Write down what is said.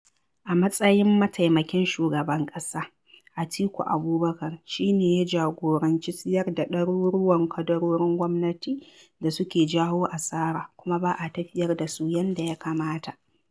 A matsayin mataimakin shugaban ƙasa, Atiku Abubakar shi ne ya jagoranci siyar da ɗaruruwan kadarorin gwamnati da suke jawo asara kuma ba a tafiyar da su yadda ya kamata.